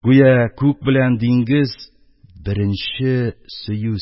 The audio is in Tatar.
Гүя күк белән диңгез беренче сөю